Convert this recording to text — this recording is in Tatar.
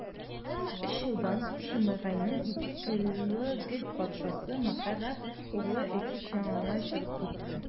Әмма өч елдан соң Шимгыйның ике колы Гәт патшасы, Мәгакәһ углы Әкиш янына качып китте.